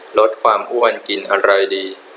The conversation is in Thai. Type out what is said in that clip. ลดความอ้วนกินอะไรดี